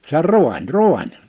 se on raani raani